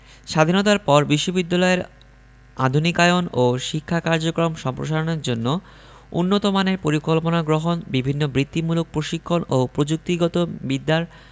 স্বাধীনতার পর বিশ্ববিদ্যালয়ের আধুনিকায়ন ও শিক্ষা কার্যক্রম সম্প্রসারণের জন্য উন্নতমানের পরিকল্পনা গ্রহণ বিভিন্ন বৃত্তিমূলক প্রশিক্ষণ ও প্রযুক্তিগত বিদ্যার